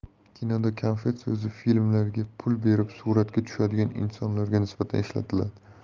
kinoda 'konfet' so'zi filmlarga pul berib suratga tushadigan insonlarga nisbatan ishlatiladi